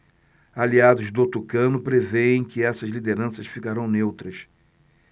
aliados do tucano prevêem que essas lideranças ficarão neutras